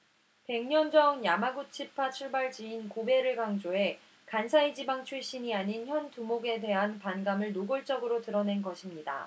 백 년 전 야마구치파 출발지인 고베를 강조해 간사이 지방 출신이 아닌 현 두목에 대한 반감을 노골적으로 드러낸 것입니다